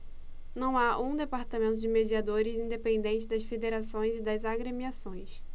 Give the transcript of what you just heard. não há um departamento de mediadores independente das federações e das agremiações